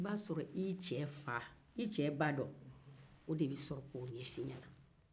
i cɛ ba dɔ b'o ɲɛfɔ i ɲɛna